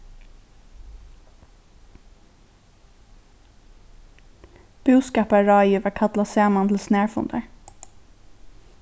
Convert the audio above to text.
búskaparráðið varð kallað saman til snarfundar